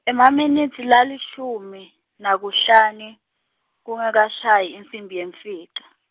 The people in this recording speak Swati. emaminitsi lalishumi, nakuhlane, kungakashayi insimbi yemfica.